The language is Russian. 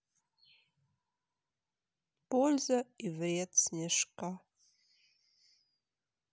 польза и вред снежка